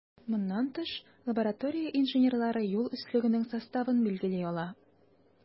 Моннан тыш, лаборатория инженерлары юл өслегенең составын билгели ала.